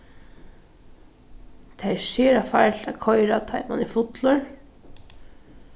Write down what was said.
tað er sera farligt at koyra tá ið mann er fullur